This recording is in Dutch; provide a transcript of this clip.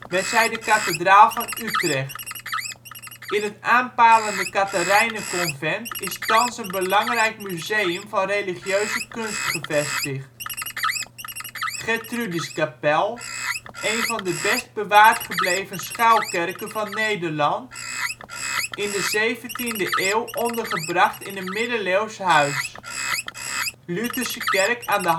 werd zij de kathedraal van Utrecht. In het aanpalende Catharijneconvent is thans een belangrijk museum van religieuze kunst gevestigd. Gertrudiskapel, een van de best bewaard gebleven schuilkerken van Nederland, in de zeventiende eeuw ondergebracht in een middeleeuws huis. Lutherse Kerk aan de